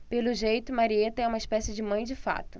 pelo jeito marieta é uma espécie de mãe de fato